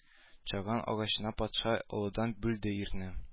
Чаган агачына патша олыдан бүлде ирне